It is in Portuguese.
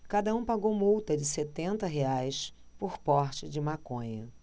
cada um pagou multa de setenta reais por porte de maconha